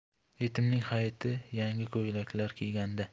yetimning hayiti yangi ko'ylak kiyganda